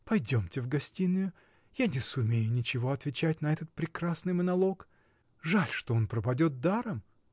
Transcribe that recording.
пойдемте в гостиную: я не сумею ничего отвечать на этот прекрасный монолог. Жаль, что он пропадает даром!